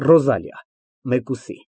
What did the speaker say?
ՌՈԶԱԼԻԱ ֊ (Մեկուսի)